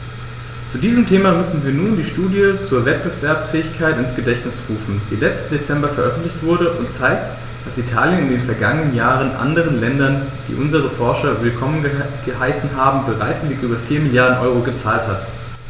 Zu diesem Thema müssen wir uns nur die Studie zur Wettbewerbsfähigkeit ins Gedächtnis rufen, die letzten Dezember veröffentlicht wurde und zeigt, dass Italien in den vergangenen Jahren anderen Ländern, die unsere Forscher willkommen geheißen haben, bereitwillig über 4 Mrd. EUR gezahlt hat.